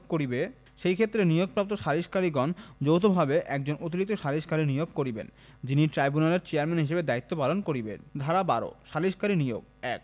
করিবে সেইক্ষেত্রে নিয়োগপ্রাপ্ত সালিসকারীগণ যৌথভাবে একজন অতিরিক্ত সালিসকারী নিয়োগ করিবেন যিনি ট্রাইব্যুনালের চেয়ারম্যান হিসাবে দায়িত্ব পালন করিবেন ধারা ১২ সালিসকারী নিয়োগঃ ১